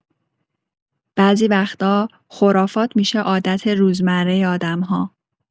بعضی وقتا خرافات می‌شه عادت روزمره آدم‌ها.